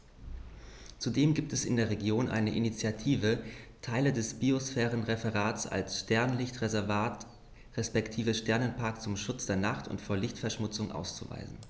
Zudem gibt es in der Region eine Initiative, Teile des Biosphärenreservats als Sternenlicht-Reservat respektive Sternenpark zum Schutz der Nacht und vor Lichtverschmutzung auszuweisen.